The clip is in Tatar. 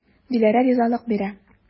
Диләрә ризалык бирә.